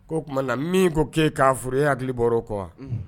O tuma na min ko k'e k'a furu e hakili bɔra o kɔ wa